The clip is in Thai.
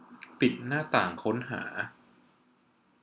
ปิดหน้าต่างค้นหา